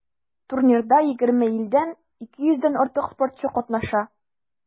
Турнирда 20 илдән 200 дән артык спортчы катнаша.